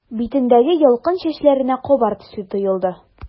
Битендәге ялкын чәчләренә кабар төсле тоелды.